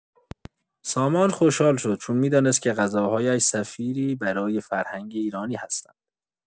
سامان خوشحال شد، چون می‌دانست که غذاهایش سفیری برای فرهنگ ایرانی هستند.